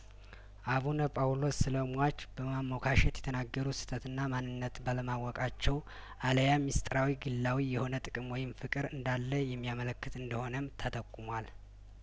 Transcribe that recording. አቡነ ጳውሎስ ስለሟች በማሞካሸት የተናገሩት ስተትና ማንነት ባለማወቃቸው አልያም ምስጢራዊና ግላዊ የሆነ ጥቅም ወይም ፍቅር እንዳለየሚ ያመለክት እንደሆነም ተጠቁሟል